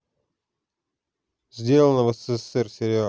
сделано в ссср сериал